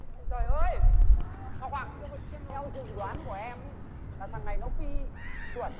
giời ơi ngọc hoàng theo dự đoán của em là thằng này nó phi chuẩn